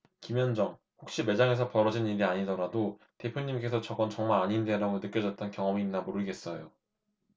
김현정 혹시 매장에서 벌어진 일이 아니더라도 대표님께서 저건 정말 아닌데 라고 느껴졌던 경험이 있나 모르겠어요